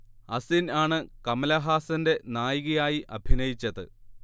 അസിൻ ആണ് കമലഹാസന്റെ നായിക ആയി അഭിനയിച്ചത്